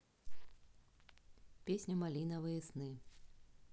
песня малиновые сны